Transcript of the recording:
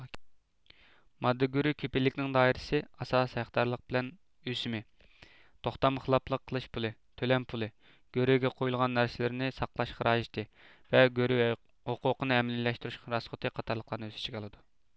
ماددا گۆرۈ كېپىللىكىنىڭ دائىرىسى ئاساسىي ھەقدارلىق بىلەن ئۆسۈمى توختامغا خىلاپلىق قىلىش پۇلى تۆلەم پۇلى گۆرۈگە قويۇلغان نەرسىلەرنى ساقلاش خىراجىتى ۋە گۆرۈ ھوقوقىنى ئەمەلىيلەشتۈرۈش راسخوتى قاتارلىقلارنى ئۆز ئىچىگە ئالىدۇ